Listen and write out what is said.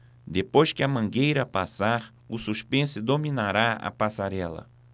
depois que a mangueira passar o suspense dominará a passarela